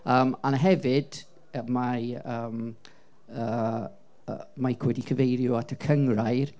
yym a'n hefyd yy mae yym yy yy Meic wedi cyfeirio at y cynghrair.